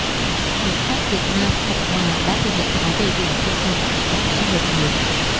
hiến pháp việt nam cộng hòa đã thể hiện khá đầy đủ tinh thần của chủ nghĩa hợp hiến